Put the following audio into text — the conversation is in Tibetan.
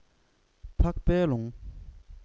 འཕགས པའི ལུང